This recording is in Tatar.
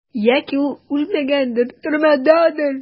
Яки ул үлмәгәндер, төрмәдәдер?